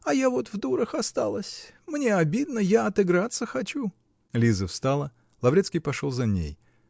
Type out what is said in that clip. а я вот в дурах осталась, мне обидно, я отыграться хочу. Лиза встала. Лаврецкий пошел за ней.